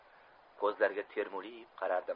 ko'zlariga termulib qarardim